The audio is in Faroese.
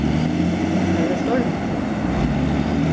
tað verður stormur skjótt